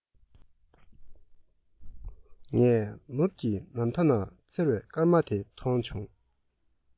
ངས ནུབ ཀྱི མཁའ མཐའ ན འཚེར བའི སྐར མ དེ མཐོང བྱུང